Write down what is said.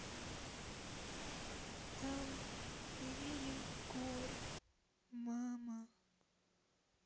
там ревели горы мама